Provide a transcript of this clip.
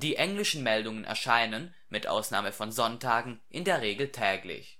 englischen Meldungen erscheinen, mit Ausnahme von Sonntagen, in der Regel täglich